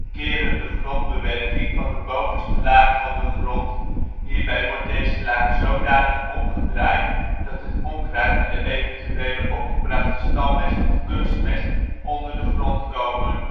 kerende grondbewerking van de bovenste laag van de grond (bouwvoor). Hierbij wordt deze laag zodanig omgedraaid dat het onkruid en de eventueel opgebrachte stalmest of kunstmest onder de grond komt